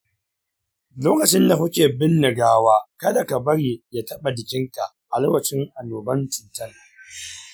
lokacinda kuke binne gawa kada ka bari ya taba jikinka a lokacin annoban cutan.